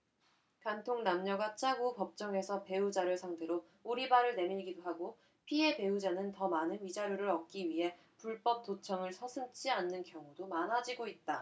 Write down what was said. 간통 남녀가 짜고 법정에서 배우자를 상대로 오리발을 내밀기도 하고 피해 배우자는 더 많은 위자료를 얻기 위해 불법 도청을 서슴지 않는 경우도 많아지고 있다